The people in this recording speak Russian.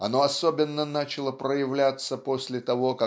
Оно особенно начало проявляться после того